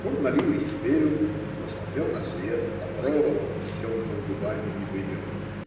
Он налил и себе рюмку, посмотрел на свет, попробовал, щелкнул губами и выпил.